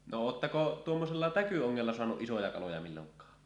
no oletteko tuommoisella täkyongella saanut isoja kaloja milloinkaan